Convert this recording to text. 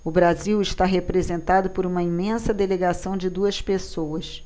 o brasil está representado por uma imensa delegação de duas pessoas